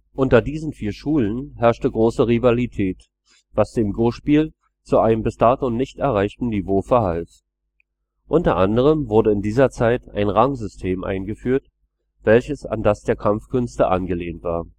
Unter diesen vier Schulen herrschte große Rivalität, was dem Go-Spiel zu einem bis dato nicht erreichten Niveau verhalf. Unter anderem wurde in dieser Zeit ein Rangsystem eingeführt, welches an das der Kampfkünste angelehnt war